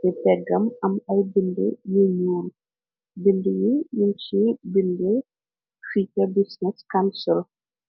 di teggam am ay binde yuy ñuor bind yi yuñ chi binde fike business counsil.